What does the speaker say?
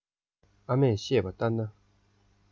ཨ མས བཤད པ ལྟར ན